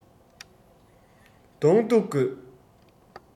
གདོང གཏུག དགོས